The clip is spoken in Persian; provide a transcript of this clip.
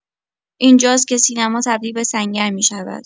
این‌جاست که سینما تبدیل به سنگر می‌شود؛